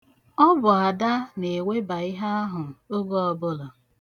Ọ bụ Ada na-eweba ihe ahụ oge ọbụla.